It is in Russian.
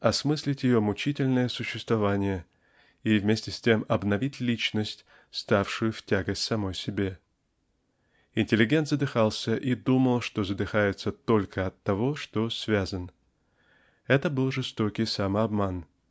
осмыслить ее мучительное существование -- и вместе с тем обновить личность ставшую в тягость самой себе. Интеллигент задыхался и думал что задыхается только оттого что связан. Это был жестокий самообман.